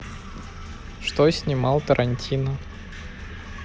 что снимал тарантино